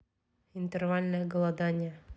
интервальное голодание